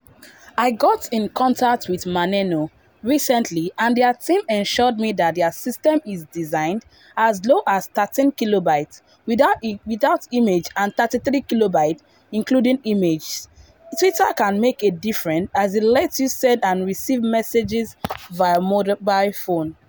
I got in contact with Maneno recently and their team ensured me that their system is designed as low as 13 kb without images and 33 kb including images… Twitter can make a difference as it lets you send and receive messages via mobile phone.